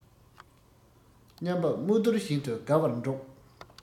མཉམ པ རྨོས དོར བཞིན དུ དགའ བར འགྲོགས